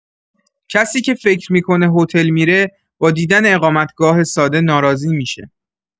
کسی که فکر می‌کنه هتل می‌ره، با دیدن اقامتگاه ساده ناراضی می‌شه.